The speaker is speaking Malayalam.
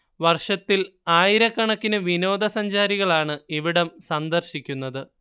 വർഷത്തിൽ ആയിരക്കണക്കിനു വിനോദസഞ്ചാരികളാണ് ഇവിടം സന്ദർശിക്കുന്നത്